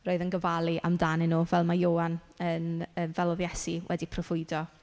Roedd e'n gofalu amdanyn nhw, fel mae Ioan yn yy fel oedd Iesu wedi proffwydo.